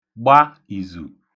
gba ìzù